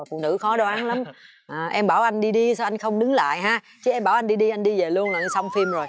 phụ nữ khó đoán lắm em bảo anh đi đi sao anh không đứng lại ha chứ em bảo anh đi đi anh đi về luôn là xong phim rồi